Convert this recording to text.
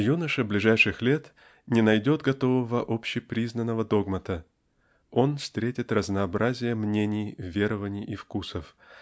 Юноша ближайших лет не найдет готового общепризнанного догмата он встретит разнообразие мнений верований и вкусов